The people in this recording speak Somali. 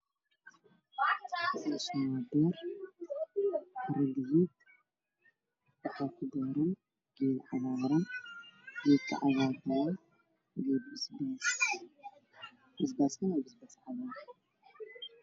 Meeshaan waa beer waxaa ka baxaya geeda cagaaran oo waaweyn waana beer